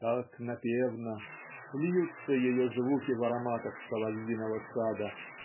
так напевно" льются ее звуки в ароматах соловьиного сада.